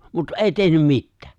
mutta ei tehnyt mitään